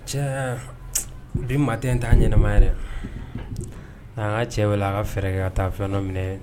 Cɛ! bi matin in t'a ɲɛnama ye dɛ, na n ka cɛ wele a ka fɛɛrɛ kɛ ka taa fɛn dɔ minɛ